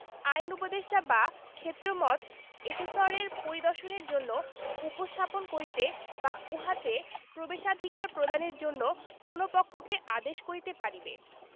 আইন উপদেষ্টা বা ক্ষেত্রমত এসেসরের পরিদর্শনের জন্য উপস্থাপন করিতে বা উহাতে প্রবেশাধিকার প্রদানের জন্য কোন পক্ষকে আদেশ করিতে পারিবে